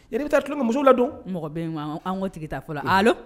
Yɛrɛ bɛ taa tulolo muso la don mɔgɔ bɛ an ko tigi t' fɔlɔ hali